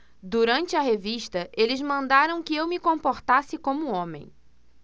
durante a revista eles mandaram que eu me comportasse como homem